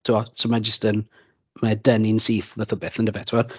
Tibod, so ma' jyst yn... mae 'da ni'n syth math o beth yndyfe, timod.